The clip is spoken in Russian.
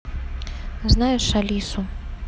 знаешь алису